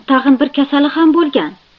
tag'in bir kasali ham bo'lgan